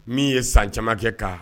Min ye san camankɛ kan